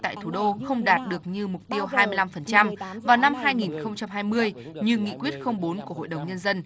tại thủ đô không đạt được như mục tiêu hai mươi lăm phần trăm vào năm hai nghìn không trăm hai mươi như nghị quyết không bốn của hội đồng nhân dân